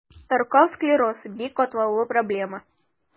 Таркау склероз – бик катлаулы проблема.